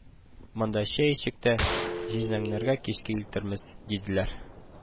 "монда чәй эчик тә, җизнәңнәргә кичкә илтермез", – диделәр